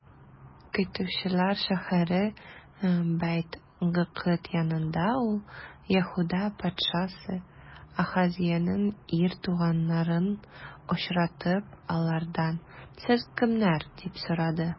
Көтүчеләр шәһәре Бәйт-Гыкыд янында ул, Яһүдә патшасы Ахазеянең ир туганнарын очратып, алардан: сез кемнәр? - дип сорады.